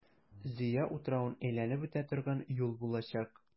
Зөя утравын әйләнеп үтә торган юл булачак.